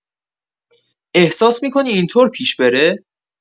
احساس می‌کنی اینطور پیش بره؟